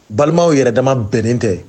Balimaw yɛrɛ dama bɛnnen tɛ